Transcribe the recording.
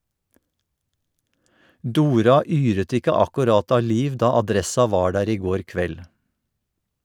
Dora yret ikke akkurat av liv da Adressa var der i går kveld.